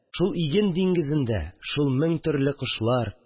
Шул иген диңгезендә, шул мең төрле кошлар